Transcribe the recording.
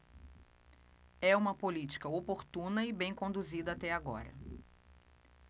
é uma política oportuna e bem conduzida até agora